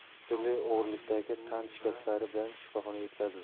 turli og'irlikdagi tan shikastlari bilan shifoxonaga yetkazildi